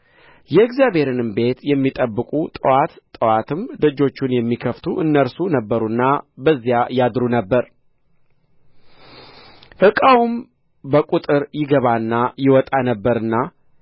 የእግዚአብሔርንም ቤት የሚጠብቁ ጥዋት ጥዋትም ደጆቹን የሚከፍቱ እነርሱ ነበሩና በዚያ ያድሩ ነበር ዕቃውም በቍጥር ይገባና ይወጣ ነበርና